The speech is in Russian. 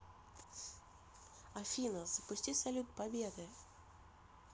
афина запусти салют победы